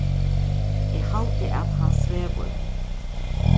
eg haldi at hann svevur